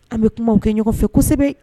An bɛ kuma kɛ ɲɔgɔn fɛsɛbɛ